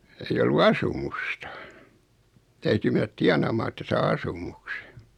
ei ollut asumusta täytyi mennä tienaamaan että saa asumuksen